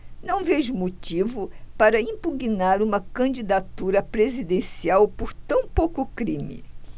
não vejo motivo para impugnar uma candidatura presidencial por tão pouco crime